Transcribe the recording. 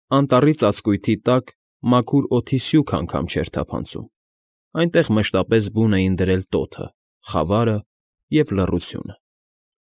Անտառի ծածկույթի տակ մաքուր օդի սյուք անգամ չէր թափանցում, այնտեղ մշտապես բուն էին դրել տոթը, խավարը և լռությունը։